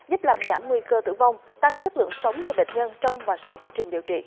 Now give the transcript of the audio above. giúp làm giảm nguy cơ tử vong tăng chất lượng sống cho bệnh nhân trong và sau quá trình điều trị